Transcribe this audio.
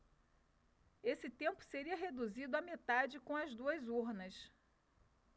esse tempo seria reduzido à metade com as duas urnas